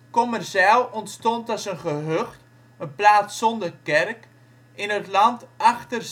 Kommerzijl ontstond als een gehucht (plaats zonder kerk) in het land achter